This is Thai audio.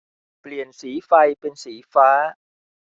เปลี่ยนสีไฟเป็นสีฟ้า